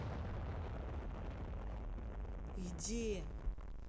иди